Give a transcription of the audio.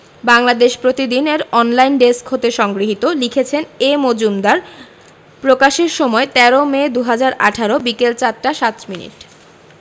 বাংলাদেশ প্রতিদিন এর online desk হতে সংগৃহীত লিখেছেনঃ এ মজুমদার প্রকাশের সময় ১৩মে ২০১৮ বিকেল ৪ টা ০৭ মিনিট